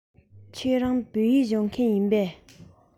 ཁྱེད རང བོད སྐད སྦྱོང མཁན ཡིན པས